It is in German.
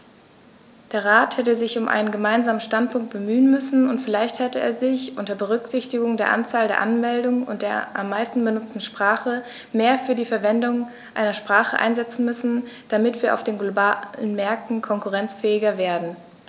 Der Rat hätte sich um einen gemeinsamen Standpunkt bemühen müssen, und vielleicht hätte er sich, unter Berücksichtigung der Anzahl der Anmeldungen und der am meisten benutzten Sprache, mehr für die Verwendung einer Sprache einsetzen müssen, damit wir auf den globalen Märkten konkurrenzfähiger werden.